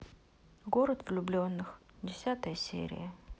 город влюбленных десятая серия